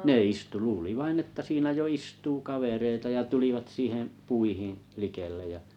ne istui luuli vain että siinä jo istuu kavereita ja tulivat siihen puihin likelle ja